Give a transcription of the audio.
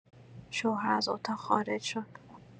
شوهر از اتاق خارج شد.